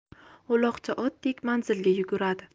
uloqchi otdek manzilga yuguradi